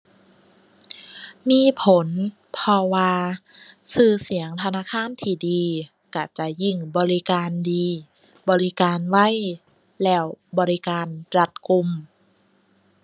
มีผลเพราะว่า ชื่อเสียงธนาคารที่ดีชื่อจะยิ่งบริการดี บริการไว แล้วบริการรัดกุม